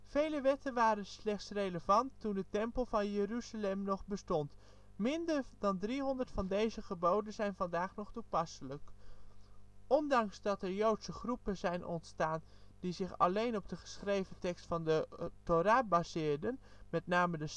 Vele wetten waren slechts relevant toen de Tempel van Jeruzalem nog bestond. Minder dan 300 van deze geboden zijn vandaag nog toepasselijk. Ondanks dat er joodse groepen zijn ontstaan die zich alleen op de geschreven tekst van de Thora baseerden (met name de Sadduceeërs